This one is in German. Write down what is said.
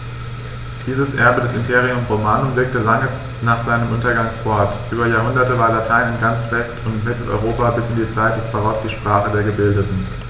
Dieses Erbe des Imperium Romanum wirkte lange nach seinem Untergang fort: Über Jahrhunderte war Latein in ganz West- und Mitteleuropa bis in die Zeit des Barock die Sprache der Gebildeten.